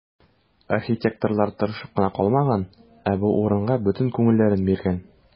Архитекторлар тырышып кына калмаган, ә бу урынга бөтен күңелләрен биргән.